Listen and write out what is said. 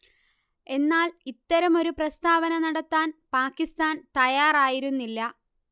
എന്നാൽ ഇത്തരമൊരു പ്രസ്താവന നടത്താൻ പാകിസ്താൻ തയ്യാറായിരുന്നില്ല